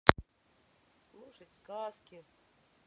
слушать сказки